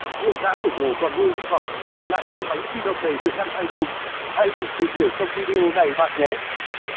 liệu gã khổng lồ còn nuôi hy vọng dành lại miếng bánh di động đầy tiềm năng hay không hãy cùng tìm hiểu trong video này bạn nhé